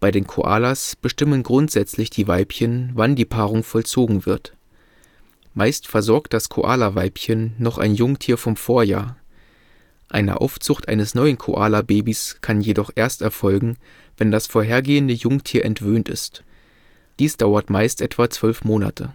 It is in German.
den Koalas bestimmen grundsätzlich die Weibchen, wann die Paarung vollzogen wird. Meist versorgt das Koalaweibchen noch ein Jungtier vom Vorjahr. Eine Aufzucht eines neuen Koalababys kann jedoch erst erfolgen, wenn das vorhergehende Jungtier entwöhnt ist. Dies dauert meist etwa zwölf Monate